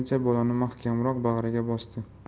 mahkamroq bag'riga bosdi